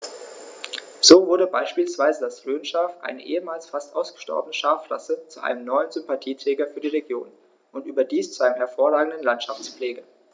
So wurde beispielsweise das Rhönschaf, eine ehemals fast ausgestorbene Schafrasse, zu einem neuen Sympathieträger für die Region – und überdies zu einem hervorragenden Landschaftspfleger.